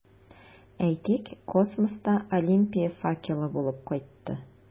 Әйтик, космоста Олимпия факелы булып кайтты.